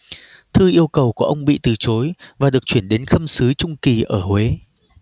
thư yêu cầu của ông bị từ chối và được chuyển đến khâm sứ trung kỳ ở huế